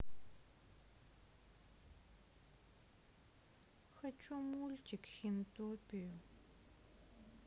хочу мультик хинтопию